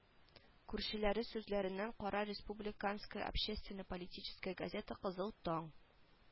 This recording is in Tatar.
Күршеләре сүзләренә кара республиканская общественно-политическая газета кызыл таң